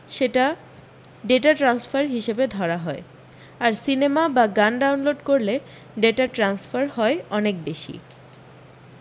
সেটা data transfer হিসেবে ধরা হয় আর সিনেমা বা গান ডাউনলোড করলে ডেটা ট্রান্সফার হয় অনেক বেশী